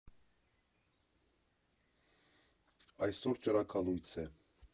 Այսօր ճրագալույց է։